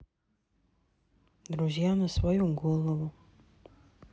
друзья на свою голову